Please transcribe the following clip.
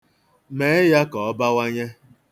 Mee ya ka ọ bawanye.